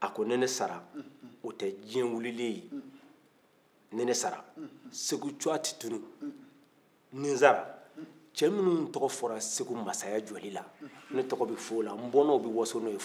a ko ni ne sara o tɛ diɲɛ wililen ye ni ne sara segu tɔgɔ tɛ tunun ni sara cɛ minnu tɔgɔ fɔra segu mansaya jɔlila ne tɔgɔ bɛ f'o la n bɔnnaw bɛ waso n'o fo saya siga t'a la